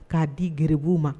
K'a di gbugu ma